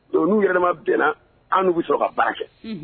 Donc n'u yɛrɛ dama bɛna an' n'u bi sɔrɔ ka baara kɛ unhun